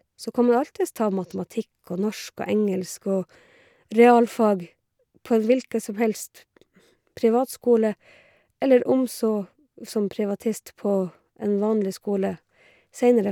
Så kan man alltids ta matematikk og norsk og engelsk og realfag på en hvilken som helst privatskole, eller om så som privatist på en vanlig skole, seinere.